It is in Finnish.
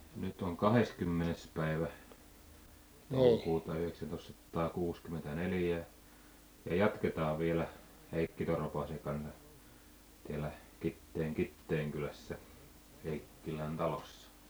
nyt on kahdeskymmenes päivä toukokuuta yhdeksäntoistasataakuusikymmentäneljä ja jatketaan vielä Heikki Toropaisen kanssa täällä Kiteen Kiteenkylässä Heikkilän talossa